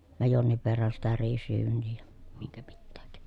ja jonkin verran sitä riisiryyniä ja minkä mitäkin